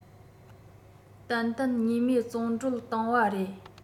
ཏན ཏན ཉེས མེད བཙོན འགྲོལ བཏང བ རེད